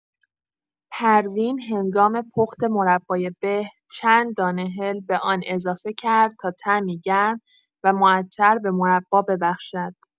پروین هنگام پخت مربای به، چند دانه هل به آن اضافه کرد تا طعمی گرم و معطر به مربا ببخشد.